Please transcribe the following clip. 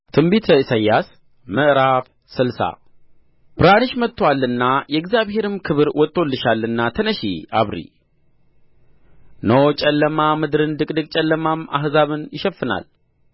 ትንቢተ ኢሳይያስ ምዕራፍ ስልሳ ብርሃንሽ መጥቶአልና የእግዚአብሔርም ክብር ወጥቶልሻልና ተነሺ አብሪ እነሆ ጨለማ ምድርን ድቅድቅ ጨለማም አሕዛብን ይሸፍናል